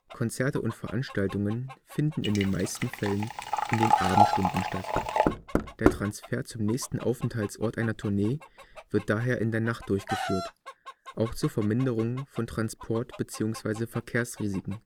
Konzerte und Veranstaltungen finden in den meisten Fällen in den Abendstunden statt. Der Transfer zum nächsten Aufenthaltsort einer Tournee wird daher in der Nacht durchgeführt, auch zur Verminderung von Transport - bzw. Verkehrsrisiken